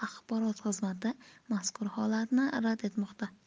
axborot xizmati mazkur holatni rad etmoqda